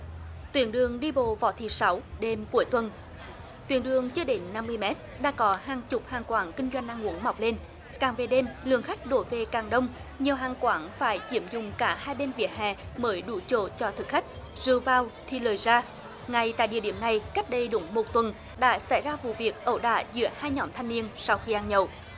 tuyến đường đi bộ võ thị sáu đêm cuối tuần tuyến đường chưa đến năm mươi mét đã có hàng chục hàng quán kinh doanh ăn uống mọc lên càng về đêm lượng khách đổ về càng đông nhiều hàng quán phải chiếm dụng cả hai bên vỉa hè mới đủ chỗ cho thực khách rượu vào thì lời ra ngay tại địa điểm này cách đây đúng một tuần đã xảy ra vụ việc ẩu đả giữa hai nhóm thanh niên sau khi ăn nhậu